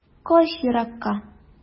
Кач еракка.